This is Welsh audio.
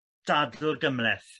dadl gymhleth.